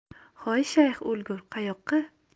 hoy shayx o'lgur qayoqqa